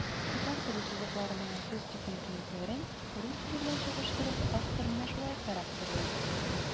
Татар теле сузыкларының акустик мөмкинлекләрен, рус теле белән чагыштырып, автор менә шулай характерлый.